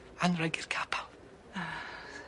Anrheg i'r capal. Ah!